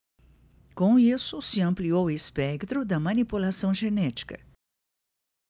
com isso se ampliou o espectro da manipulação genética